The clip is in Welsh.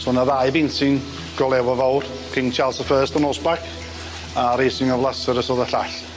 So o' 'na ddau beinting go lew o fawr King Charles the first on orseback a Rasing of Lazerus o'dd y llall.